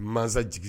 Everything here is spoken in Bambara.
Mansa jigi